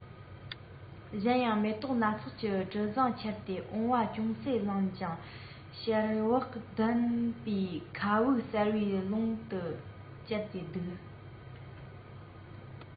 གཞན ཡང མེ ཏོག སྣ ཚོགས ཀྱི དྲི བཟང ཁྱེར ཏེ འོང བ ཅུང ཟད རླན ཞིང གཤེར བག ལྡན པའི མཁའ དབུགས གསར པའི ཀློང དུ བསྐྱིལ ཏེ འདུག